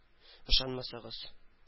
Ышанмасагыз